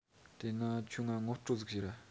དེས ན ཁྱོས ངའ ངོ སྤྲོད ཟིག བྱོས ར